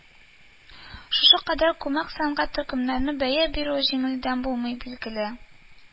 Шушы кадәр күмәк сәнгать төркемнәренә бәя бирү дә җиңелдән булмады, билгеле